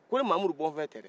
kɔni mahamudu bɔfɛ tɛ dɛ